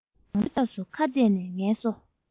རླུང བུའི ལྡང ཕྱོགས སུ ཁ གཏད ནས ངལ གསོ